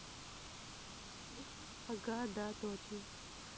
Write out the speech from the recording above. ага да точно